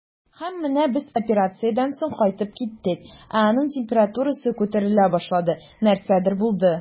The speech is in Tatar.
Һәм менә без операциядән соң кайтып киттек, ә аның температурасы күтәрелә башлады, нәрсәдер булды.